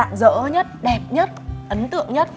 rạng rỡ nhất đẹp nhất ấn tượng nhất